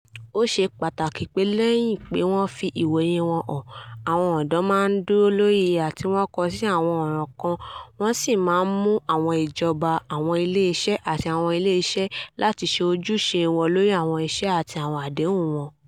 Ó ṣe pàtàkì pé lẹ́yìn pé wọ́n fi ìwòye wọn hàn, àwọn ọ̀dọ́ máa ń dúró lórí ìhà tí wọ́n kọ sí àwọn ọ̀ràn kan wọ́n sì máa ń mú àwọn ìjọba, àwọn ilé iṣẹ́, àti àwọn ilé iṣẹ́ láti ṣe ojúṣe wọn lórí àwọn ìṣe àti àwọn àdéhùn wọn.